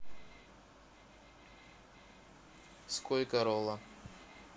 сколько ролла